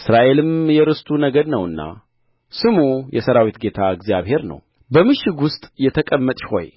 እስራኤልም የርስቱ ነገድ ነውና ስሙ የሠራዊት ጌታ እግዚአብሔር ነው በምሽግ ውስጥ የተቀመጥሽ ሆይ